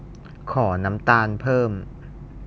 ขอน้ำตาลเพิ่ม